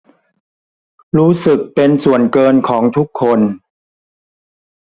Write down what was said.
รู้สึกเป็นส่วนเกินของทุกคน